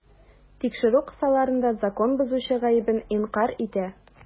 Тикшерү кысаларында закон бозучы гаебен инкарь итә.